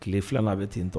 Tile filanan a bɛ ten tɔ